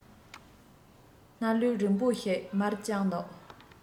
སྣ ལུད རིང པོ ཞིག མར དཔྱངས འདུག